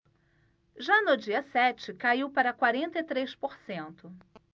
já no dia sete caiu para quarenta e três por cento